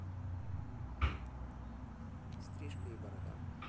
стрижка и борода